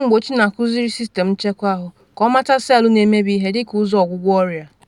Ọgwụ mgbochi na-akuziri sistem nchekwa ahụ ka ọ mata selụ na-emebi ihe dịka ụzọ ọgwụgwọ ọrịa